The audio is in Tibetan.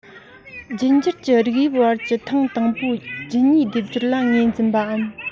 རྒྱུད འགྱུར གྱི རིགས དབྱིབས བར གྱི ཐེངས དང པོའི རྒྱུད གཉིས སྡེབ སྦྱོར ལ ངོས འཛིན པའམ